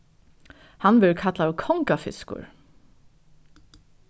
hann verður kallaður kongafiskur